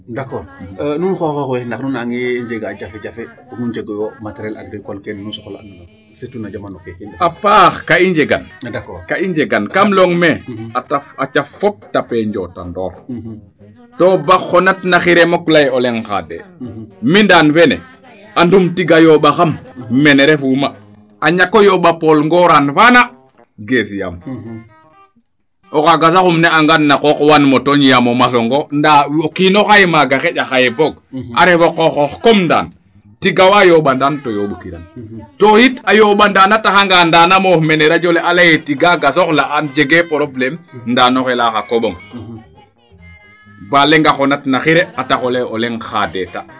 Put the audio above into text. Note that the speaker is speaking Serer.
D' accord nuun xoxoox we nu naangee njegaa jafe jafe pour nu njegooyo materiel agricole keene nu soxla'aayo surtout na jamano feeke i ndefna ?A paax kay i njegan kaa i njegan kaam layong mee a caf fop tapee njootandoor to bo xonatna xire mukk lay ee o leŋ xaadee mi Ndane fene andum tiga yooɓaxam mene refuuma a ñak o yooɓ a Paul Ngorane faana gesyam o xaaga sax im ne'angaan na qooq waan mo tooñ yaam o macon ngo ndaa o kiin o xay maaga xaƴa xaye boog a ref o qooxoox comme Ndane .tiga waa yooɓ a Ndane to yooɓkiran to a yooɓ a NDane.A taxanga Ndane a moof mene radio le a lay ee tigaaga soxla'aan jegee probleme Ndane oxey layaa xa koɓong ba lenga xonatna xire a tax o lay ee o leŋ xaadee ta.